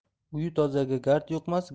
uyi tozaga gard yuqmas